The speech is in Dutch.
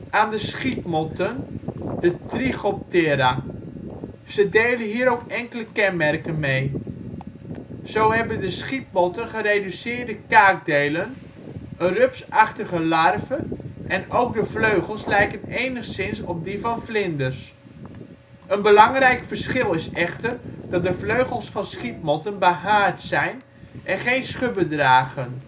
aan de schietmotten (Trichoptera). Ze delen hier ook enkele kenmerken mee; zo hebben de schietmotten gereduceerde kaakdelen, een rups-achtige larve en ook de vleugels lijken enigszins op die van vlinders. Een belangrijk verschil is echter dat de vleugels van schietmotten behaard zijn en geen schubben dragen